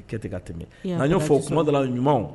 Tɛmɛ'a y'o fɔ o kumada ɲumanw